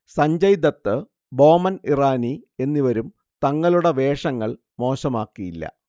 സഞ്ജയ്ദത്ത്, ബോമൻ ഇറാനി എന്നിവരും തങ്ങളുടെ വേഷങ്ങൾ മോശമാക്കിയില്ല